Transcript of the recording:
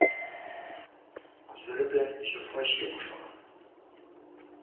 Күзәле белән җәфа чигә башлаган